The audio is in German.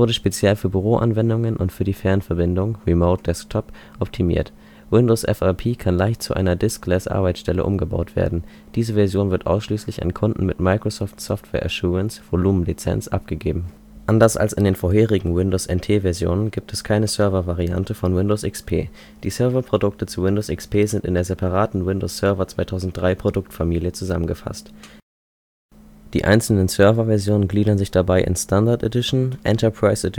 speziell für Büroanwendungen und für die Fernverbindung (Remote Desktop) optimiert. Windows FLP kann leicht zu einer Diskless-Arbeitsstelle umgebaut werden. Diese Version wird ausschließlich an Kunden mit „ Microsoft Software Assurance “(Volumenlizenz) abgegeben. Anders als in den vorherigen Windows-NT-Versionen gibt es keine Server-Variante von Windows XP. Die Serverprodukte zu Windows XP sind in der separaten Windows-Server-2003-Produktfamilie zusammengefasst. Die einzelnen Server-Versionen gliedern sich dabei in Standard Edition, Enterprise